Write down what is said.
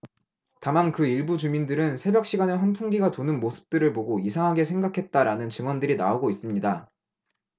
다만 그 일부 주민들은 새벽 시간에 환풍기가 도는 모습들을 보고 이상하게 생각했다라는 증언들이 나오고 있습니다